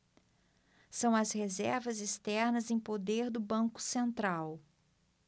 são as reservas externas em poder do banco central